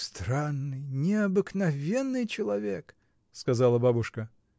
— Странный, необыкновенный человек! — сказала бабушка.